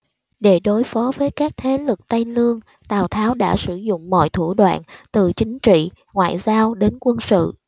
để đối phó với các thế lực tây lương tào tháo đã sử dụng mọi thủ đoạn từ chính trị ngoại giao đến quân sự